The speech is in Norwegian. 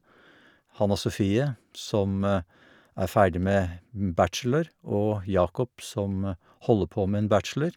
Hanna Sofie, som er ferdig med bachelor, og Jacob, som holder på med en bachelor.